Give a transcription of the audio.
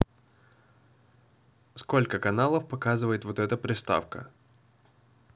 сколько каналов показывает вот эта приставка